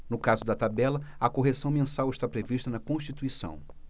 no caso da tabela a correção mensal está prevista na constituição